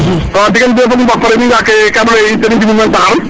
digante fagum kam leye ten i njimu men taxax